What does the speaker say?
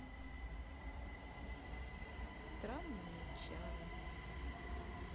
странные чары